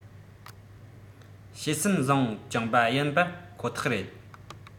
བཤད སེམས བཟང བཅངས པ ཡིན པ ཁོ ཐག རེད